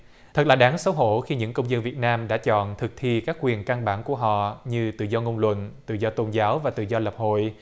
thật là đáng xấu hổ khi những công dân việt nam đã chọn thực thi các quyền căn bản của họ như tự do ngôn luận tự do tôn giáo và tự do lập hội